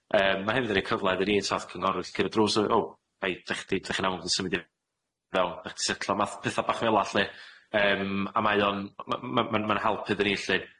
Yym ma' hefyd yn rhei cyfle iddyn ni 't'od fatha cynghorwyr ll- curo drws, Ow, hei dach chi 'di- dach chi iawn yn symud i fewn, dach chdi setlo? Math- petha bach fel'a lly, yym a mae o'n- ma'n ma'n help iddyn ni lly.